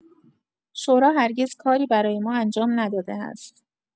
شورا هرگز کاری برای ما انجام نداده است.